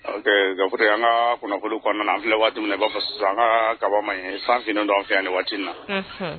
Gaforo y an ka kɔnɔ kɔnɔna na an filɛ waati min i b'a an ka kaba ma fanfin don an fɛ yan ni waati in na